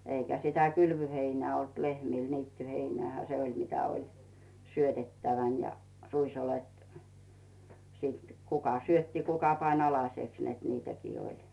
eikä sitä kylvöheinää ollut lehmillä niittyheinäähän se oli mitä oli syötettävänä ja ruisoljet sitten kuka syötti kuka pani alaseksi että niitäkin oli